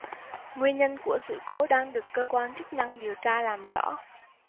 nguyên nhân của sự cố đang được cơ quan chức năng điều tra làm rõ